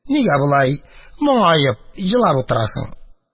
Нигә болай моңаеп, елап утырасың?